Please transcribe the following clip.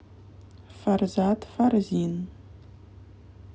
farzad farzin